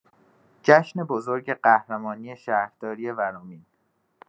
جشن بزرگ قهرمانی شهرداری ورامین